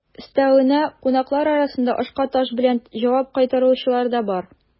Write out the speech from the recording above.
Өстәвенә, кунаклар арасында ашка таш белән җавап кайтаручылар да бар.